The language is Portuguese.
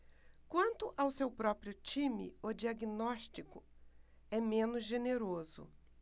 quanto ao seu próprio time o diagnóstico é menos generoso